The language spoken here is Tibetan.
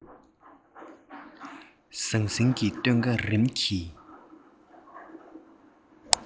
ཟང ཟིང གི སྟོན ཀ རིམ གྱིས